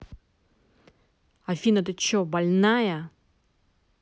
афина а ты че больная